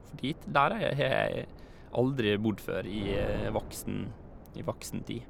For dit der er jeg har jeg aldri bodd før i voksen i voksen tid.